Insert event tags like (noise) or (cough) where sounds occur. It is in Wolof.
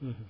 (hesitation) (hesitation)